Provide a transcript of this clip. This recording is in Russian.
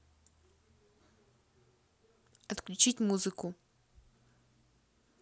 отключить музыку